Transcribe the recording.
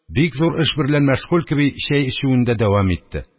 Бик зур эш берлән мәшгуль кеби, чәй эчүендә дәвам итте.